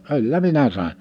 kyllä minä sain